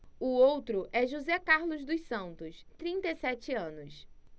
o outro é josé carlos dos santos trinta e sete anos